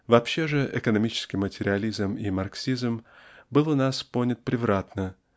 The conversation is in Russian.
Вообще же экономический материализм и марксизм был у нас понят превратно